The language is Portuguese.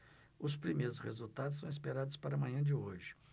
os primeiros resultados são esperados para a manhã de hoje